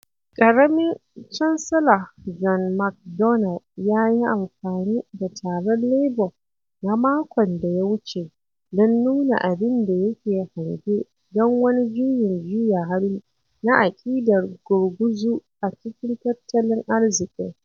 Ƙaramin cansala John McDonnell ya yi amfani da taron Labour na makon da ya wuce don nuna abin da yake hange don wani juyin juya hali na aƙidar gurguzu a cikin tattalin arzikin.